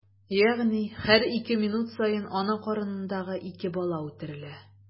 Ягъни һәр ике минут саен ана карынындагы ике бала үтерелә.